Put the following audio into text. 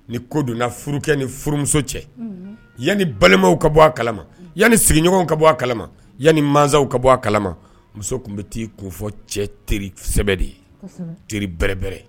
Ni ko donna furukɛ ni furumuso cɛ, unhun, yanni balimaw ka bɔ a kalama, yanni sigiɲɔgɔnw ka bɔ a kalama, yanni mansaw ka bɔ a kalama, muso tun bɛ taa i kunfɔ cɛ terisɛbɛ de ye, kosɛbɛ, teri bɛrɛbɛrɛ